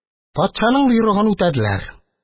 Патшаның боерыгын үтәделәр